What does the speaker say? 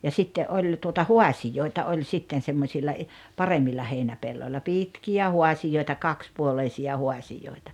ja sitten oli tuota haasioita oli sitten semmoisilla - paremmilla heinäpelloilla pitkiä haasioita kaksipuoleisia haasioita